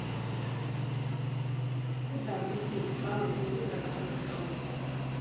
куда ввести пароль телевизора который пришел